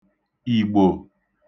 Ìgbò